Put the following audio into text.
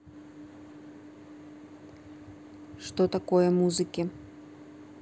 что такое музыки